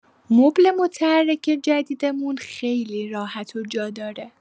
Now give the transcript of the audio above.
مبل متحرک جدیدمون خیلی راحت و جاداره.